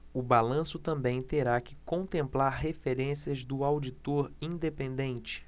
o balanço também terá que contemplar referências do auditor independente